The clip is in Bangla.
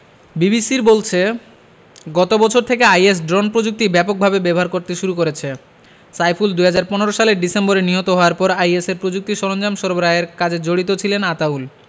বিবিসির বলছে গত বছর থেকে আইএস ড্রোন প্রযুক্তি ব্যাপকভাবে ব্যবহার করতে শুরু করেছে সাইফুল ২০১৫ সালের ডিসেম্বরে নিহত হওয়ার পর আইএসের প্রযুক্তি সরঞ্জাম সরবরাহের কাজে জড়িত ছিলেন আতাউল